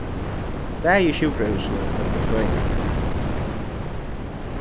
bæði sjúkrahúsini høvdu føðingardag